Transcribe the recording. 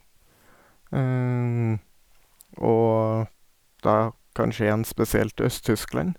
Og da kanskje igjen spesielt Øst-Tyskland.